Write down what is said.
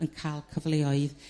yn ca'l cyfleoedd